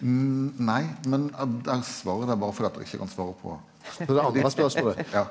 nei men der svarer eg deg berre for at du ikkje kan svare på ja.